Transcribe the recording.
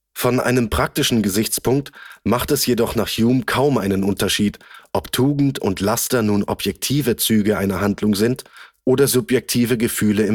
Von einem praktischen Gesichtspunkt macht es jedoch nach Hume kaum einen Unterschied, ob Tugend und Laster nun objektive Züge einer Handlung sind oder subjektive Gefühle